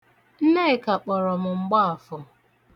Nneka kpọrọ m mgbaafọ.